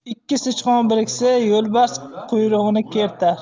ikki sichqon biriksa yo'lbars quyrug'in kertar